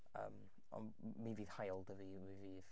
Yym ond m- mi fydd haul 'da fi mi fydd...